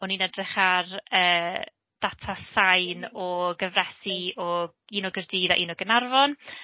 O'n i'n edrych ar ee data sain o gyfresi o un o Gaerdydd un o Gaernarfon.